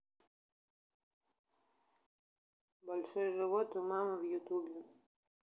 большой живот у мамы в ютубе